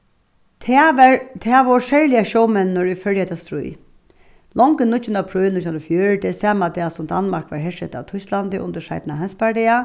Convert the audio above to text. tað var tað vóru serliga sjómenninir ið førdu hetta stríð longu níggjunda apríl nítjan hundrað og fjøruti sama dag sum danmark var hersett av týsklandi undir seinna heimsbardaga